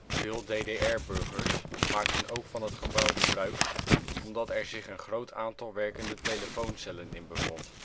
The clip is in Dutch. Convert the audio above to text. Veel DDR-burgers maakten ook van het gebouw gebruik, omdat er zich een groot aantal werkende telefooncellen in bevond